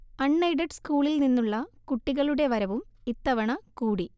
അൺ aided സ്കൂളിൽനിന്നുള്ള കുട്ടികളുടെ വരവും ഇത്തവണ കൂടി